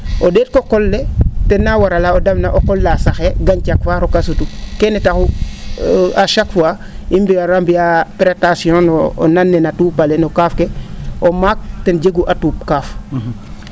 o ?eetik o qol le ten na warala a damna qol la saxee gañcax faa roka sutu keene taxu a chaque fois i mbara mbiyaa tres o nan nena tuup ale kaaf ke o maak ten jegu a tuup kaaf